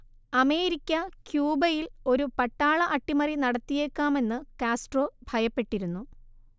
America ക്യൂബയിൽ ഒരു പട്ടാള അട്ടിമറി നടത്തിയേക്കാമെന്ന് കാസ്ട്രോ ഭയപ്പെട്ടിരുന്നു